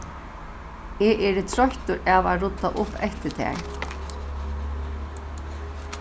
eg eri troyttur av at rudda upp eftir tær